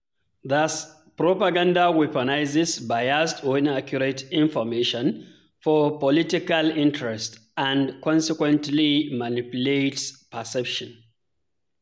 Thus, propaganda weaponizes biased or inaccurate information for political interests and consequently manipulates perception.